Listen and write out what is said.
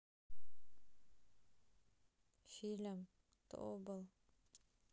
фильм тобол